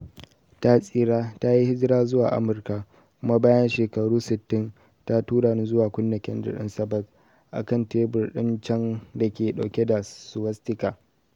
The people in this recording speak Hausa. Ta tsira, ta yi hijira zuwa Amurka, kuma bayan shekaru 60, ta tura ni zuwa kunna kendir din sabbath a kan tebur din can da ke dauke da swastika.